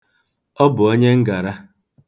Ọ bụ onye ngara.